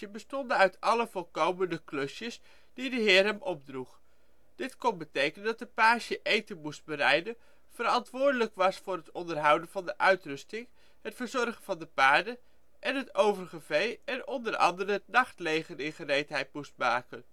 bestonden uit alle voorkomende klusjes die de heer hem opdroeg. Dit kon betekenen dat de page eten moest bereiden, verantwoordelijk was voor het onderhouden van de uitrusting, het verzorgen van de paarden en het overige vee en onder andere het nachtleger in gereedheid moest maken